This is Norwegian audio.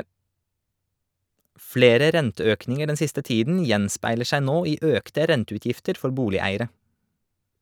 Flere renteøkninger den siste tiden gjenspeiler seg nå i økte renteutgifter for boligeiere.